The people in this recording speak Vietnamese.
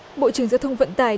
bộ trưởng giao thông vận tải